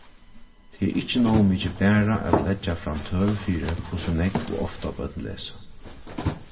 tað er ikki nóg mikið bara at leggja fram tøl fyri hvussu nógv og ofta børn lesa